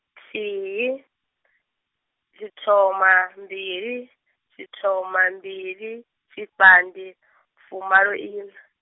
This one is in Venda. thihi, tshithoma mbili, tshithoma mbili, tshifhandi, fumaloiṋa.